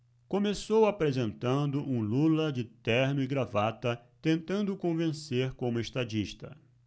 começou apresentando um lula de terno e gravata tentando convencer como estadista